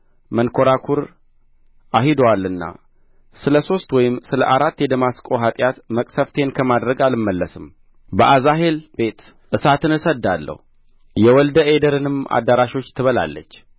መንኰራኵር አሂዶአልና ስለ ሦስት ወይም ስለ አራት የደማስቆ ኃጢአት መቅሠፍቴን ከማድረግ አልመለስም በአዛሄል ቤት እሳትን እሰድዳለሁ የወልደ አዴርንም አዳራሾች ትበላለች